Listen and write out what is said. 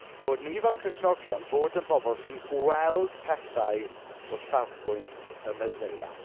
Bo' ni fel Cristnogion fod yn bobl sy'n gweld pethau o safbwynt y Meseia